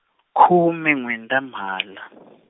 khume N'wendzamhala.